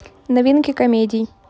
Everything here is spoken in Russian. новинки комедий